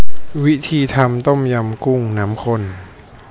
วิธีทำต้มยำกุ้งน้ำข้น